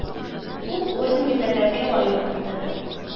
Күп орден-медальләргә лаек булды